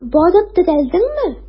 Барып терәлдеңме?